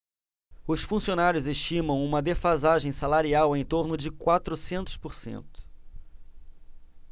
os funcionários estimam uma defasagem salarial em torno de quatrocentos por cento